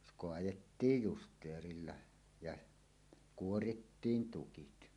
- kaadettiin justeerilla ja kuorittiin tukit